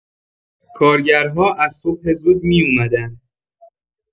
کارگرها از صبح زود می‌اومدن.